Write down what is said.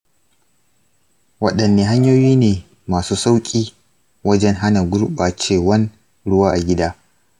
waɗanne hanyoyi ne masu sauƙi wajen hana gurɓacewan ruwa a gida?